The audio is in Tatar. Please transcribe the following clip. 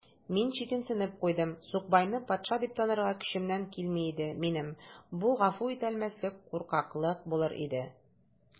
Мин читенсенеп куйдым: сукбайны патша дип танырга көчемнән килми иде минем: бу гафу ителмәслек куркаклык булыр иде.